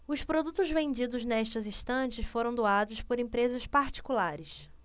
os produtos vendidos nestas estantes foram doados por empresas particulares